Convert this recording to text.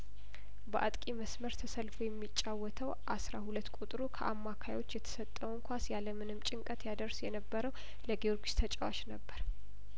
በአጥቂ መስመር ተሰልፎ የሚጫወተው አስራ ሁለት ቁጥሩ ከአማካዮች የተሰጠውን ኳስ ያለምንም ጭንቀት ያደርስ የነበረው ለጊዮርጊስ ተጫዋች ነበር